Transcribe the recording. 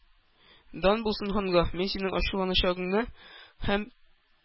— дан булсын ханга, мин синең ачуланачагыңны һәм